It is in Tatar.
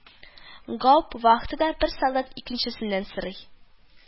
Гауптвахтада бер солдат икенчесеннән сорый: